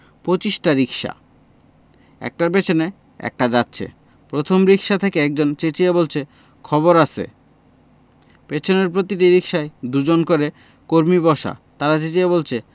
পঁচিশটা রিকশা একটার পেছনে একটা যাচ্ছে প্রথম রিকশা থেকে একজন চেঁচিয়ে বলছে খবর আছে পেছনের প্রতিটি রিকশায় দু জন করে কর্মী বসা তাঁরা চেঁচিয়ে বলছে